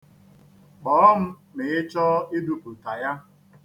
Kpọọ m ma ị chọọ idupụta ya.